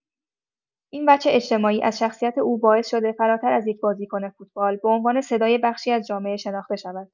این وجه اجتماعی از شخصیت او باعث شده فراتر از یک بازیکن فوتبال، به عنوان صدای بخشی از جامعه شناخته شود.